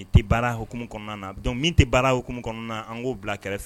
I tɛ baara hukumu kɔnɔna na donc min tɛ baara hukumu kɔnɔna na an k'o bila kɛrɛfɛ